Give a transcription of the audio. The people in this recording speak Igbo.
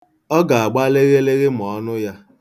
Ọ ga-agba lịghịlịghị ma ọ nụ ya.